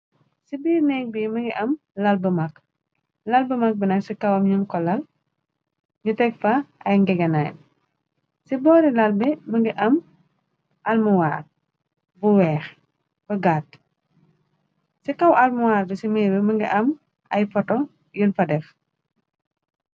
Ci biir nekg bi mëngi am lal ba mag lal ba mag bi nag ci kawam nun kolal ñu teg fa ay ngegenay ci boori lal bi mëngi am almuwaar bu weex bu gaat ci kaw almuwaar bu ci miir bi mëngi am ay photo yun fa def.